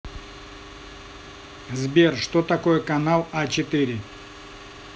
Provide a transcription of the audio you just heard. сбер что такое канал а четыре